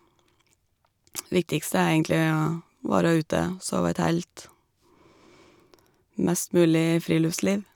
Viktigste er egentlig å være ute, sove i telt, mest mulig friluftsliv.